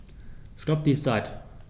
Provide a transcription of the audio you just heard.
Stopp die Zeit